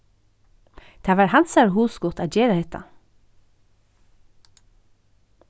tað var hansara hugskot at gera hetta